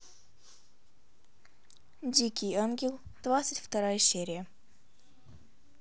дикий ангел двадцать вторая серия